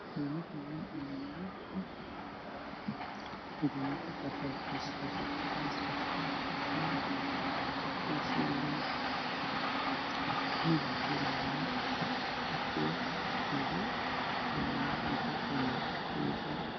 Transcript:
Waa sawir xayeysiis waxaa ii muuqda makiinad wax lagu shiido sida cabitaannada waxaa ag yaalo weerar yar midabkeedu waa caddaan background waa buluug